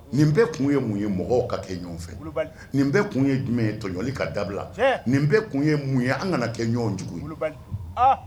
Nin bɛɛ kun ye mun ye mɔgɔw ka kɛ ɲɔn fɛ, nin bɛɛ kun ye jumɛn ye tɔɲɔli ka dabila, nin bɛɛ kun ye mun ye an kana kɛ ɲɔn jugu ye, wulibali!